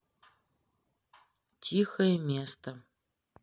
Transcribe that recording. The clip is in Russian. тихое место